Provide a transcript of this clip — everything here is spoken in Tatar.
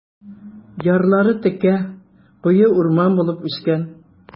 Ярлары текә, куе урман булып үскән.